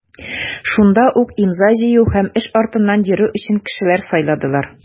Шунда ук имза җыю һәм эш артыннан йөрү өчен кешеләр сайладылар.